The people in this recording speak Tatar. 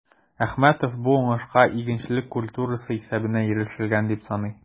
Әхмәтов бу уңышка игенчелек культурасы исәбенә ирешелгән дип саный.